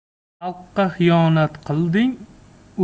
xalqqa xiyonat qilding